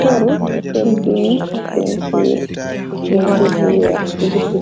Kërr kërr bun pinntur pintur bu weex ci biti